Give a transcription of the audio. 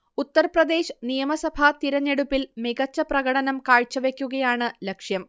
ഉത്തർപ്രദേശ് നിയമസഭാ തിരഞ്ഞെടുപ്പിൽ മികച്ച പ്രകടനം കാഴ്ചവെക്കുകയാണ് ലക്ഷ്യം